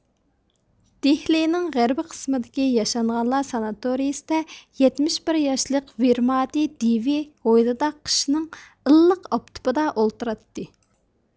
دېھلىنىڭ غەربىي قىسمىدىكى ياشانغانلار ساناتورىيىسىدە يەتمىش بىر ياشلىق ۋېرمادى دېۋى ھويلىدا قىشنىڭ ئىللىق ئاپتىپىدا ئولتۇراتتى